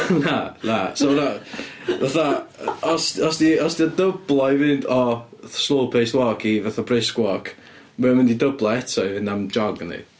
Na, na, so fatha fatha os d- os 'di os 'di o'n dyblo i fynd o fatha slow-paced walk i fatha brisk walk, mae o'n mynd i dyblo eto i fynd am jog yndi?